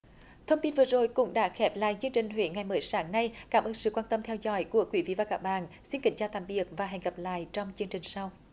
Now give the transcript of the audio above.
thông tin vừa rồi cũng đã khép lại chương trình huyện ngày mới sáng nay cảm ơn sự quan tâm theo dõi của quý vị và các bạn sẽ kiểm tra tạm biệt và hẹn gặp lại trong chương trình sau